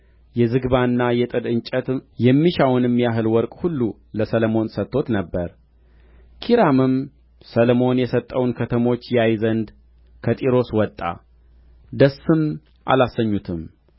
የዝግባና የጥድ እንጨት የሚሻውንም ያህል ወርቅ ሁሉ ለሰሎሞን ሰጥቶት ነበር ኪራምም ሰሎሞን የሰጠውን ከተሞች ያይ ዘንድ ከጢሮስ ወጣ ደስም አላሰኙትም